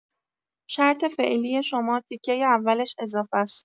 شرط فعلی شما تیکۀ اولش اضافس.